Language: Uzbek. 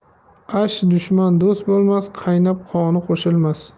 ash dushman do'st bo'lmas qaynab qoni qo'shilmas